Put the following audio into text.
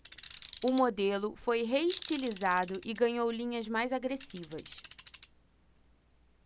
o modelo foi reestilizado e ganhou linhas mais agressivas